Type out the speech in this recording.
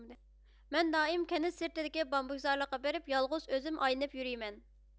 مەن دائىم كەنت سىرتىدىكى بامبۇكزارلىققا بېرىپ يالغۇز ئۆزۈم ئايلىنىپ يۈرىمەن